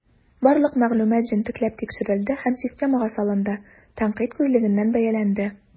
Барлык мәгълүмат җентекләп тикшерелде һәм системага салынды, тәнкыйть күзлегеннән бәяләнде.